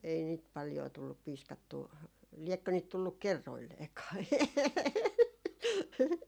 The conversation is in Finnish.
ei niitä paljoa tullut piiskattua liekö niitä tullut kerroilleenkaan